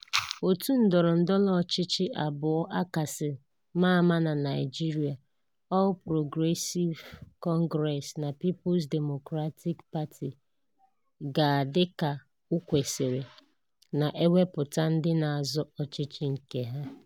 Òtù ndọrọ ndọrọ ọchịchị abụọ a kasị maa ama na Naịjirịa, All Progressive Congress na Peoples Democratic Party, ga, dị ka o kwesịrị, na-ewepụta ndị na-azọ ọchịchị nke ha: